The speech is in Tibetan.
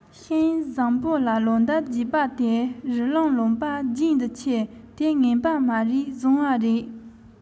ཤིང བཟང པོ ལ ལོ འདབ རྒྱས པ དེ རི ཀླུང ལུང པའི རྒྱན དུ ཆེ དེ ངན པ མ རེད བཟང བ རེད